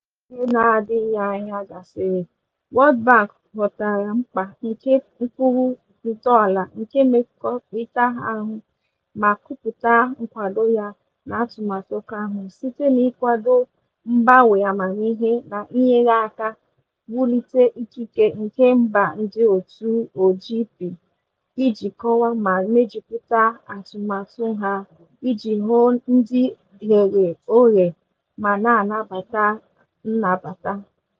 Dịka oge n'adịghị anya gasịrị, World Bank ghọtara mkpa nke ụkpụrụ ntọala nke Mmekọrịta ahụ ma kwupụta nkwado ya n'atụmatụ ahụ "site n'ịkwado mgbanwe amamihe na inyere aka wulite ikike nke mba ndịòtù OGP iji kọwaa ma mejupụta atụmatụ ha iji ghọọ ndị ghere oghe ma na-anabata nnabata."